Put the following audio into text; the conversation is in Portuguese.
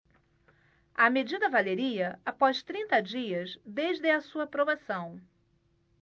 a medida valeria após trinta dias desde a sua aprovação